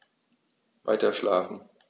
Weiterschlafen.